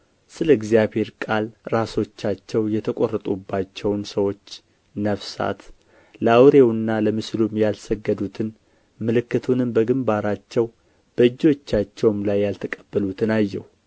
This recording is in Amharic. ስለ እግዚአብሔር ቃል ራሶቻቸው የተቈረጡባቸውን ሰዎች ነፍሳት ለአውሬውና ለምስሉም ያልሰገዱትን ምልክቱንም በግምባራቸው በእጆቻቸውም ላይ ያልተቀበሉትን አየሁ